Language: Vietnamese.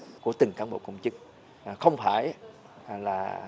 của từng cán bộ công chức không phải là